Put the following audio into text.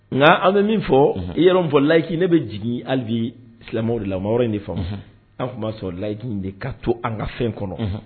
Nka an bɛ min fɔ, unhun, yɔrɔ bon laïque ne bɛ jigin halibi silamɛw de la,o ma yɔrɔ in de faamu, unhun, an tun ma kan ka sɔn laïque de ka to an ka fɛn kɔnɔ.